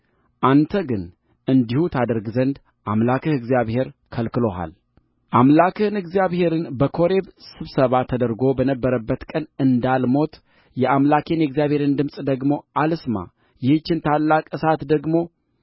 አንተ ግን እንዲሁ ታደርግ ዘንድ አምላክህ እግዚአብሔር ከልክሎሃል አምላክህን እግዚአብሔርን በኮሬብ ስብሰባ ተደርጎ በነበረበት ቀን እንዳልሞት የአምላኬን የእግዚአብሔርን ድምፅ ደግሞ አልስማ ይህችን ታላቅ እሳት ደግሞ